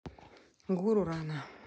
guru рана